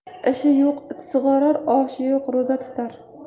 ishi yo'q it sug'orar oshi yo'q ro'za tutar